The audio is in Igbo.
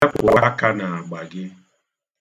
Wepụ aka n'agba gị.